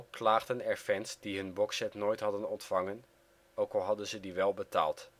klaagden er fans die hun boxset nooit hadden ontvangen, ook al hadden ze die wel betaald